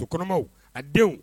Toto kɔnɔmanw a denw